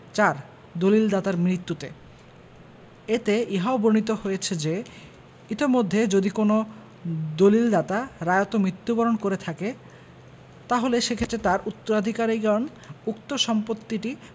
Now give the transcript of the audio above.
৪ দলিল দাতার মৃত্যুতে এতে ইহাও বর্ণিত হয়েছে যে ইতমধ্যে যদি কোন দলিলদাতা রায়ত মৃত্যুবরণ করে থাকে তাহলে সেক্ষেত্রে তার উত্তরাধিকারীগণ উক্ত সম্পত্তিটি